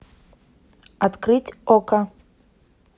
открыть окко